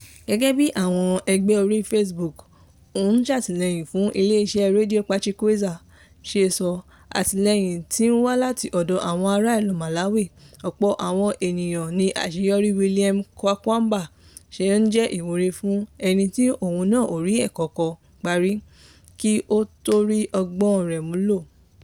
Gẹ́gẹ́ bí àwọn ẹgbẹ́ orí Facebook tó ń "sátìlẹyìn fún Ileeṣẹ́ Rédíò Pachikweza" ṣe sọ, àtìlẹyìn tún ti ń wá láti ọ̀dọ̀ àwọn ará ìlú Maawi, ọ̀pọ̀ àwọn èèyàn ni àṣeyọrí William Kwakwamba sì ń jẹ́ ìwúrí fún ní ẹni tí òun náà ò rí ẹ̀kọ́ kọ́ parí kí ò tó rí ọgbọ́n rẹ̀ mú lò.